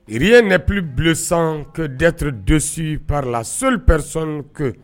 Ye nep bi san dattedsi parila solipɛrisike